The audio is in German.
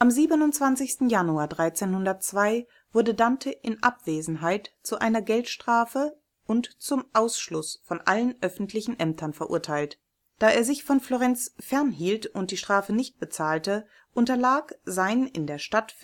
27. Januar 1302 wurde Dante in Abwesenheit zu einer Geldstrafe und zum Ausschluss von allen öffentlichen Ämtern verurteilt. Da er sich von Florenz fernhielt und die Strafe nicht bezahlte, unterlag sein in der Stadt